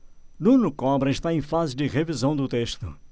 nuno cobra está em fase de revisão do texto